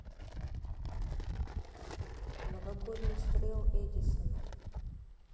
новогодний стрел эдисона